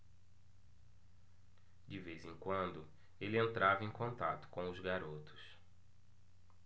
de vez em quando ele entrava em contato com os garotos